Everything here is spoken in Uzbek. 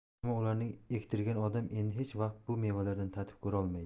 ammo ularni ektirgan odam endi hech vaqt bu mevalardan tatib ko'rolmaydi